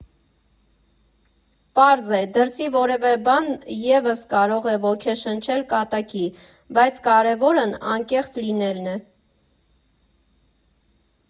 Պարզ է, դրսի որևէ բան ևս կարող է ոգեշնչել կատակի, բայց կարևորն անկեղծ լինելն է։